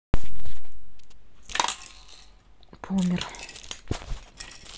помер